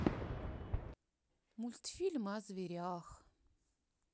мультфильмы о зверях